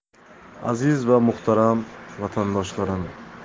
aziz va muhtaram vatandoshlarim